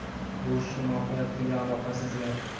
bu ishning mohiyatiga aloqasiz gap